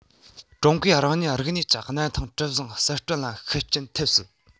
ཀྲུང གོས རང ཉིད རིག གནས ཀྱི གནམ ཐང གྲུ གཟིངས གསར སྐྲུན ལ ཤུགས རྐྱེན ཐེབས སྲིད